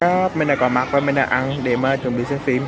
yah mình đã có mặt để ăn xong đi xem phim